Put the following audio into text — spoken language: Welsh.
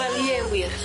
Wel ie wir.